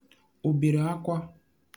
Ọ bere akwa”?””